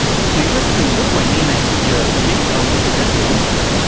vị khách từng rất hoài nghi này giờ cho biết ông ấy có thể thử